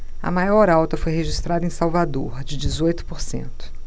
a maior alta foi registrada em salvador de dezoito por cento